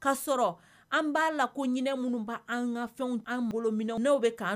Ka an b'a la ko minnu b' an ka fɛn an bolo min bɛ